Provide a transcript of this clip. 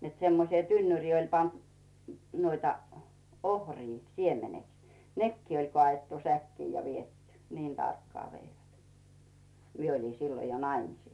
että semmoiseen tynnyriin oli pantu noita ohria siemeneksi nekin oli kaadettu säkkiin ja viety niin tarkkaan veivät minä olin silloin jo naimisissa